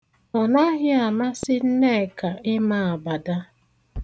Ọ naghị amasị Nneka ịma abada.